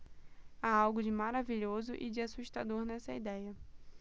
há algo de maravilhoso e de assustador nessa idéia